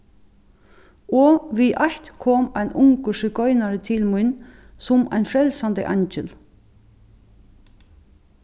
og við eitt kom ein ungur sigoynari til mín sum ein frelsandi eingil